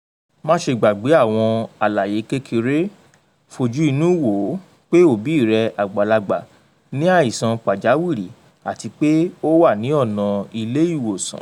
Máṣe gbàgbé àwọn àlàyé kékeré: Fojú inú wò pé òbí rẹ àgbàlagbà ni àìsàn pàjáwìrì àti pé ó wà ní ọ̀nà ilé-ìwòsan.